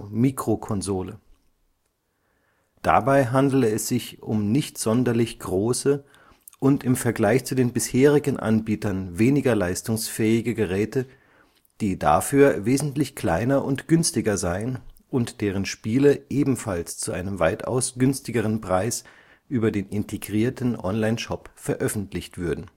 Mikrokonsole). Dabei handele es sich um nicht sonderlich große und im Vergleich zu den bisherigen Anbietern weniger leistungsfähige Geräte, die dafür wesentlich kleiner und günstiger seien und deren Spiele ebenfalls zu einem weitaus günstigeren Preis über den integrierten Onlineshop veröffentlicht würden